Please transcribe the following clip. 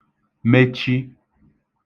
mechi